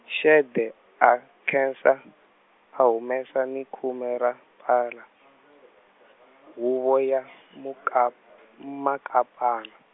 Xede, a khensa, a humesa ni khume ra, pfala , huvo ya , mukap- Makapana.